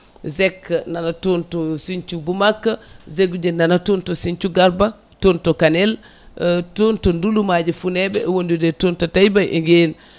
zeg nana toon to Sinthiou Bou Makka zeg uji nana toon to Sinthiou Garba toon to Kanel toon to Ndouloumaji Founébé e wondude toon to Taiba Guéyenne